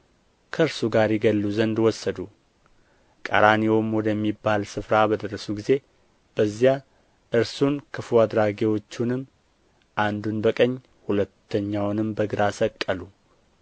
ከእርሱ ጋር ይገድሉ ዘንድ ወሰዱ ቀራንዮም ወደሚባል ስፍራ በደረሱ ጊዜ በዚያ እርሱን ክፉ አድራጊዎቹንም አንዱን በቀኝ ሁለተኛውንም በግራ ሰቀሉ